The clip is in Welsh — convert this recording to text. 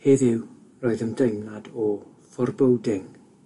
Heddiw roedd ymdeimlad o forboding